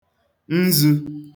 nzū